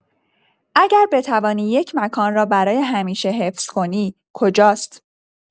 اگر بتوانی یک مکان را برای همیشه حفظ کنی کجاست؟